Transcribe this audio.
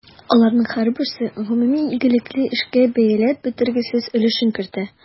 Аларның һәрберсе гомуми игелекле эшкә бәяләп бетергесез өлешен кертә.